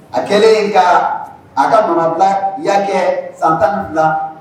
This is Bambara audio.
A kɛlen ka a ka marabila y' kɛ san tan fila